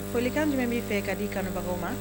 Folikan jumɛn b'i fɛ ka d di kanubagaw ma